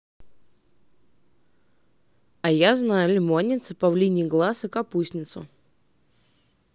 а я знаю лимонница павлиний глаз и капустницу